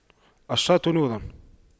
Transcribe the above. الشرط نور